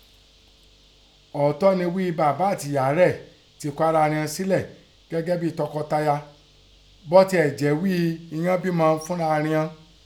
Ọ̀ọ́tọ́ ni ghí i bàbá àti ìyá rẹ̀ ti kọ ara righọn sílẹ̀ gẹ́gẹ́ bí tọkọ tayà bọ́ tiẹ̀ jẹ́ ghí ghọ́n bímọ fúnra righọn.